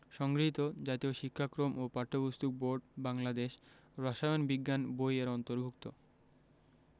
সংগৃহীত জাতীয় শিক্ষাক্রম ও পাঠ্যপুস্তক বোর্ড বাংলাদেশ রসায়ন বিজ্ঞান বই এর অন্তর্ভুক্ত